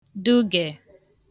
dụgè